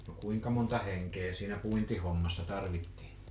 no kuinka monta henkeä siinä puintihommassa tarvittiin